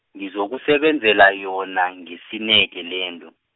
ngizokusebenzela yona, ngesineke lento.